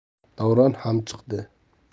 davron ham chiqdi